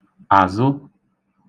àzụ